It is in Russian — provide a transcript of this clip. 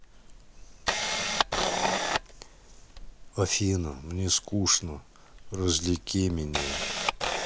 афина мне скучно развлеки меня